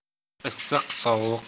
issiq sovuq